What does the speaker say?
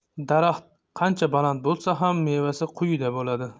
daraxt qancha baland bo'lsa ham mevasi quyida bo'ladi